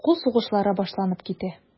Кул сугышлары башланып китә.